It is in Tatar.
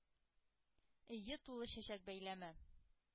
Өе тулы чәчәк бәйләме.